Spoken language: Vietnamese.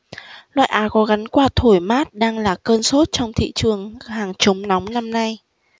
loại áo có gắn quạt thổi mát đang là cơn sốt trong thị trường hàng chống nóng năm nay